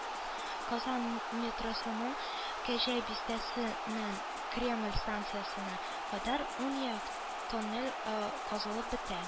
Казан метросының “Кәҗә бистәсе”ннән “Кремль” станциясенә кадәр уң як тоннель казылып бетә